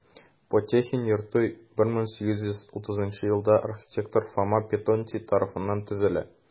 Потехин йорты 1830 елда архитектор Фома Петонди тарафыннан төзелә.